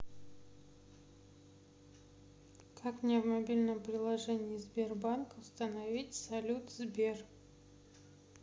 как мне в мобильном приложении сбербанк установить салют сбер